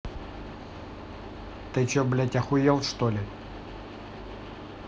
ты че блядь охуел что ли